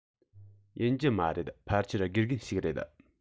ཡིན གྱི མ རེད ཕལ ཆེར དགེ རྒན ཞིག རེད